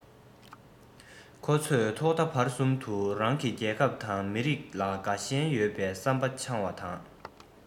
ཁོ ཚོས ཐོག མཐའ བར གསུམ དུ རང གི རྒྱལ ཁབ དང མི རིགས ལ དགའ ཞེན ཡོད པའི བསམ པ འཆང བ དང